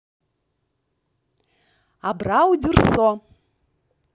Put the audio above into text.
абраудюрсо